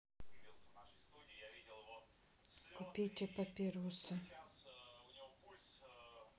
купите папиросы